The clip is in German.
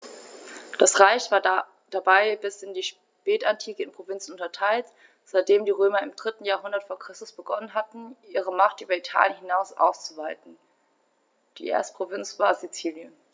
Das Reich war dabei bis in die Spätantike in Provinzen unterteilt, seitdem die Römer im 3. Jahrhundert vor Christus begonnen hatten, ihre Macht über Italien hinaus auszuweiten (die erste Provinz war Sizilien).